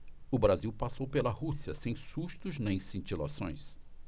o brasil passou pela rússia sem sustos nem cintilações